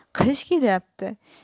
qish kelyapti